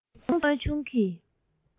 མཐོང ཐོས དངོས བྱུང གི